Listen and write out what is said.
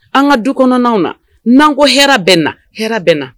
An ka du kɔnɔ naw na nan ko hɛrɛ bɛ na hɛrɛ bɛ na.